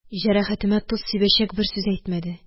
Җәрәхәтемә тоз сибәчәк бер сүз әйтмәде